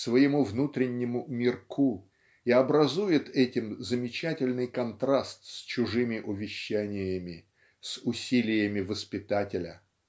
своему внутреннему мирку и образует этим замечательный контраст с чужими увещаниями с усилиями воспитателя.